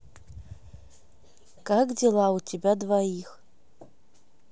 как дела у тебя двоих